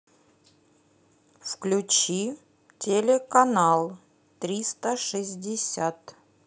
включи телеканал триста шестьдесят